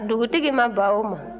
dugutigi ma ban o ma